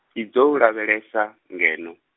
i dzou lavhelesa, ngeno.